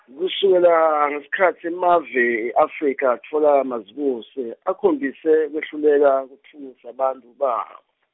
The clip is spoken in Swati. kusukela, ngesikhatsi emave, e-Afrika atfola mazibuse, akhombise kwehluleka kutfutfukisa bantfu bawo .